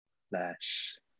Lush!